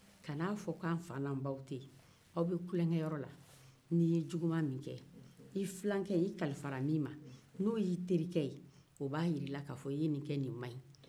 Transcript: aw bɛ tulonkɛyɔrɔ la ni i ye juguma min kɛ i filankɛ i kalifa la min ma ni o y'i terikɛ ye o b'a yira i la ka fɔ i ye nin kɛ a ma ɲɛ